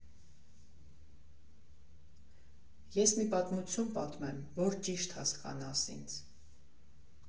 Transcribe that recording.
Ես մի պատմություն պատմեմ, որ ճիշտ հասկանաս ինձ։